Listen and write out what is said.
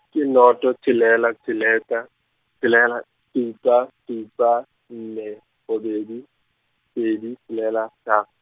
ke noto tshelela tshelela, tshelela supa supa nne robedi, pedi tshelela hla.